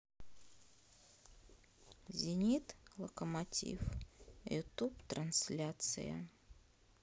зенит локомотив ютуб трансляция